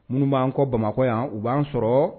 Minnu b'an kɔ bamakɔ yan u b'an sɔrɔ